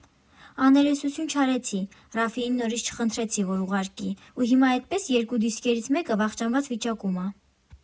Աներեսություն չարեցի, Ռաֆին նորից չխնդրեցի, որ ուղարկի, ու հիմա էդպես երկու դիսկերից մեկը վախճանված վիճակում ա։